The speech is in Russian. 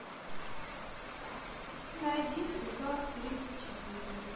найди приказ тридцать четыре